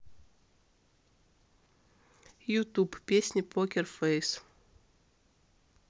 ютуб песня покер фейс